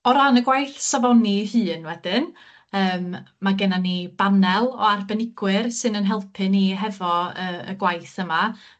O ran y gwaith safoni 'i hun wedyn yym ma' gennan ni banel o arbenigwyr sy'n 'yn helpu ni hefo yy y gwaith yma